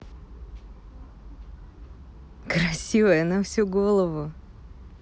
красивая на всю голову